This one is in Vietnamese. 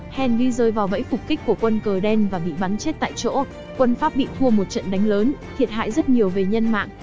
henri rơi vào ổ phục kích của quân cờ đen và bị bắn chết tại chỗ quân pháp bị thua một trận đánh lớn thiệt hại rất nhiều về nhân mạng